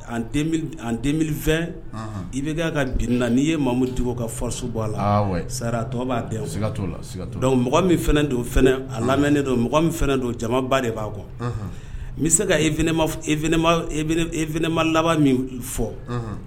Fɛn i bɛ' ka g na n'i ye mamu cogo ka fɔso bɔ a la sara a tɔ b'a mɔgɔ min fana don o a lamɛnnen don mɔgɔ min fana don jamaba de b'a kɔ n bɛ se ka e e ema laban min fɔ